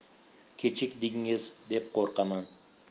kechikdingiz deb qo'rqaman